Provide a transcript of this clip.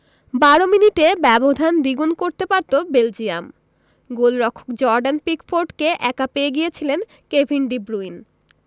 ১২ মিনিটে ব্যবধান দ্বিগুণ করতে পারত বেলজিয়াম গোলরক্ষক জর্ডান পিকফোর্ডকে একা পেয়ে গিয়েছিলেন কেভিন ডি ব্রুইন